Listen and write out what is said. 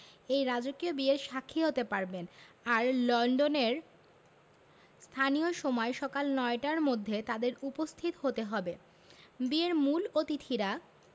এই রাজকীয় বিয়ের সাক্ষী হতে পারবেন আর লন্ডনের স্থানীয় সময় সকাল নয়টার মধ্যে তাঁদের উপস্থিত হতে হবে বিয়ের মূল অতিথিরা